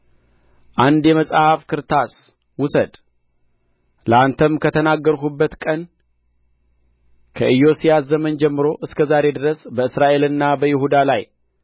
አንድ የመጽሐፍ ክርታስ ውሰድ ለአንተም ከተናገርሁበት ቀን ከኢዮስያስ ዘመን ጀምሮ እስከ ዛሬ ድረስ በእስራኤልና በይሁዳ ላይ